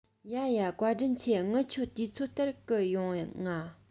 ཡ ཡ བཀའ དྲིན ཆེ ངི ཆོ དུས ཚོད ལྟར གི ཡོང ང